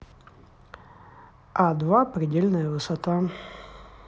а два предельная высота